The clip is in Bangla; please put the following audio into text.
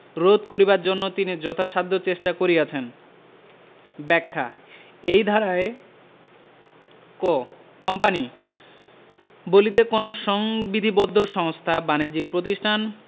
রোধ করিবার জন্য তিনি যথাসাধ্য চেষ্টা করিয়াছেন ব্যাখ্যাঃ এই ধারায়ঃ ক কোম্পানী বলিতে কোন সংবিধিবদ্ধ সংস্থা বাণিজ্যিক প্রতিষ্ঠান